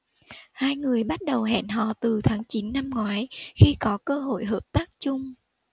hai người bắt đầu hẹn hò từ tháng chín năm ngoái khi có cơ hội hợp tác chung